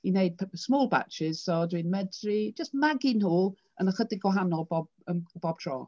I wneud pe- small batches, so dwi'n medru jyst magu nhw yn ychydig gwahanol bob yym bob tro.